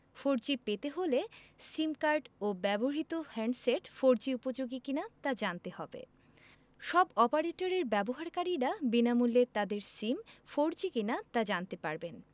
four G পেতে হলে sim card ও ব্যবহৃত হ্যান্ডসেট ফোরজি উপযোগী কিনা তা জানতে হবে সব অপারেটরের ব্যবহারকারীরা বিনামূল্যে তাদের সিম ফোরজি কিনা তা জানতে পারবেন